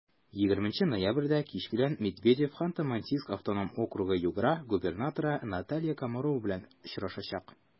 20 ноябрьдә кич белән медведев ханты-мансийск автоном округы-югра губернаторы наталья комарова белән очрашачак.